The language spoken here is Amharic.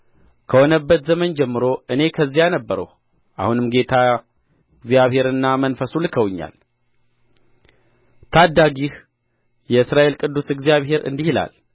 ከሆነበት ዘመን ጀምሮ እኔ በዚያ ነበርሁ አሁንም ጌታ እግዚአብሔርና መንፈሱ ልከውኛል ታዳጊህ የእስራኤል ቅዱስ እግዚአብሔር እንዲህ ይላል